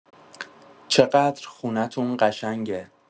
چقدر خونه‌تون قشنگه!